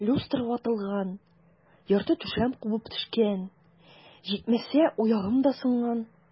Люстра ватылган, ярты түшәм кубып төшкән, җитмәсә, аягым да сынган.